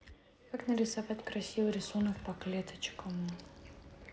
как нарисовать красивый рисунок по клеточкам